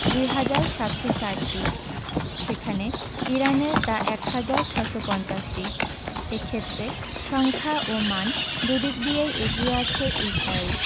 ২ হাজার ৭৬০টি সেখানে ইরানের তা ১ হাজার ৬৫০টি এ ক্ষেত্রে সংখ্যা ও মান দুদিক দিয়েই এগিয়ে আছে ইসরায়েল